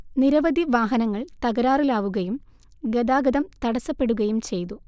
നിരവധി വാഹനങ്ങൾ തകരാറിലാവുകയും ഗതാഗതം തടസപ്പെടുകയും ചെയ്തു